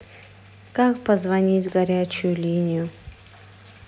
как позвонить в горячую линию